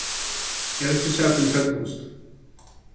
eg havi ikki sæð tín teldupost